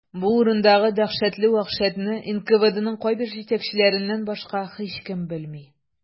Бу урындагы дәһшәтле вәхшәтне НКВДның кайбер җитәкчеләреннән башка һичкем белми.